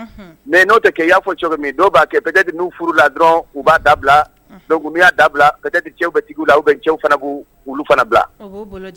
Mɛ n'o tɛ ke y'a fɔ cogo min dɔw b'a kɛd furu la dɔrɔn u b'a dabila'a dabila cɛw bɛtigi la u cɛw fana olu fana bila